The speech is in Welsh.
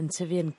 yn tyfu yn